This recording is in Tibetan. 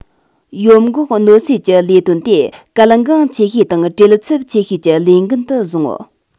ཡོམ འགོག གནོད སེལ གྱི ལས དོན དེ གལ འགངས ཆེ ཤོས དང བྲེལ འཚུབ ཆེ ཤོས ཀྱི ལས འགན དུ བཟུང